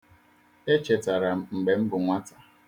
Echetara m mgbe m bụ nwata.